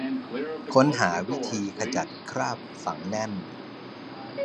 ค้นหาวิธีขจัดคราบฝังแน่น